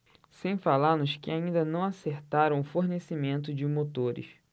sem falar nos que ainda não acertaram o fornecimento de motores